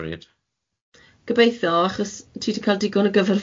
Gobeitho achos ti 'di cal digon o